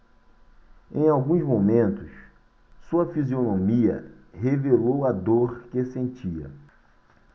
em alguns momentos sua fisionomia revelou a dor que sentia